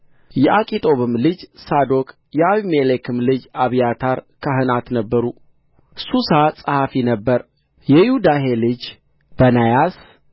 የአኪጦብም ልጅ ሳዶቅ የአቤሜሌክም ልጅ አብያታር ካህናት ነበሩ ሱሳ ጸሐፊ ነበረ የዮዳሄ ልጅ በናያስ